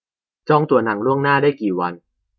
จองตั๋วหนังล่วงหน้าได้กี่วัน